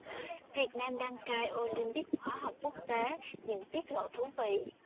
việt nam đăng cai olympic hóa học quốc tế những tiết lộ thú vị